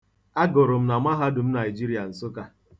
Agụrụ m na Mahadum Naịijirịa, Nsụka.